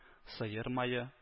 Сыер мае